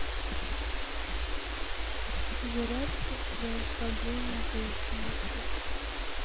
зарядка для расслабления поясницы